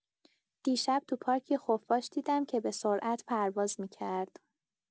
دیشب تو پارک یه خفاش دیدم که به‌سرعت پرواز می‌کرد.